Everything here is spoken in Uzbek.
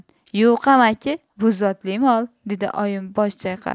yo'q amaki bu zotli mol dedi oyim bosh chayqab